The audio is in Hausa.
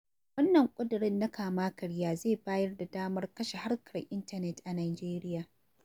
Wanna ƙudurin na kama-karya zai bayar da damar kashe harkar intanet a Najeriya.